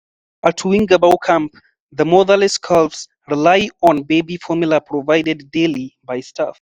At Wingabaw Camp, the motherless calves rely on baby formula provided daily by staff.